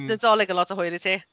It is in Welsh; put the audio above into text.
Fydd Nadolig yn lot o hwyl i ti!